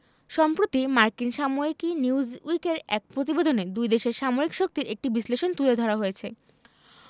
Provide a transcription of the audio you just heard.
সম্প্রতি মার্কিন সাময়িকী নিউজউইকের এক প্রতিবেদনে দুই দেশের সামরিক শক্তির একটি বিশ্লেষণ তুলে ধরা হয়েছে